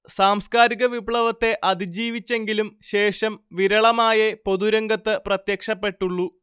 സാംസ്കാരിക വിപ്ലവത്തെ അതിജീവിച്ചെങ്കിലും ശേഷം വിരളമായെ പൊതുരംഗത്ത് പ്രത്യ്ക്ഷപ്പെട്ടുള്ളൂ